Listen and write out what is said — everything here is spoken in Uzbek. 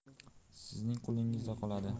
sizning qo'lingizda qoladi